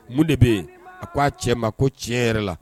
Mun de bɛ yen a k ko' aa cɛ ma ko tiɲɛ yɛrɛ la